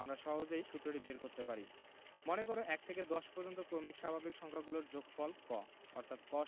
আমরা সহজেই সুত্রটি বের করতে পারি মনে করি ১ থেকে ১০ পর্যন্ত ক্রমিক স্বাভাবিক সংখ্যাগুলোর যোগফল ক অর্থাৎ ক =